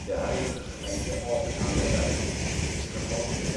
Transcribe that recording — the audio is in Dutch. huidige gemeente Alphen aan den Rijn is gevormd in